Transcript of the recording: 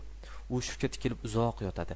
u shiftta tikilib uzoq yotadi